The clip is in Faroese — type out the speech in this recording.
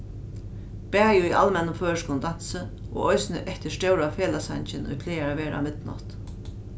bæði í almennum føroyskum dansi og eisini eftir stóra felagssangin ið plagar at vera á midnátt